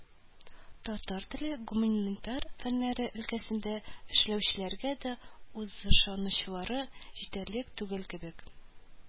Татар телле гуманитар фәннәре өлкәсендә эшләүчеләргә дә үзышанычлары җитәрлек түгел кебек